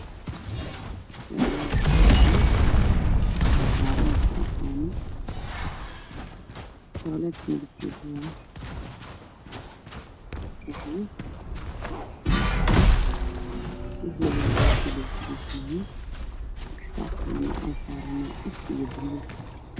Waxaa ii muuqda toboleed ay saaranyihiin gasac caana ah iyo caagad yar tabaleedka midabkiisu waa qaxwi iyo cadaan